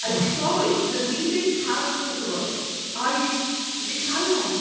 I'm sorry, Davide's character growth. I... Fi'n caru fe.